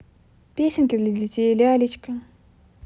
песенки для детей лялечка